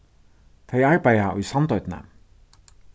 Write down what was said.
tey arbeiða í sandoynni